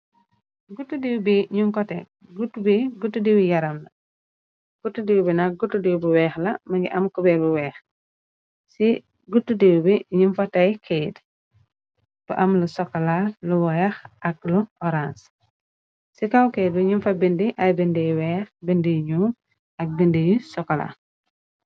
Guttu diw bi ñu kote dwyi yaram na guttu diiw bi na gutu diw bu weex la më ngi am kuber bu weex ci gutu diw bi ñu fa tey kayte bu am lu sokola lu weex ak lu orange ci kawkeyte bi ñu fa bindi ay bnd weex bindñu ak bind yi sokola.